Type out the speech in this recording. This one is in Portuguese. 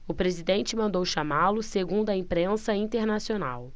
o presidente mandou chamá-lo segundo a imprensa internacional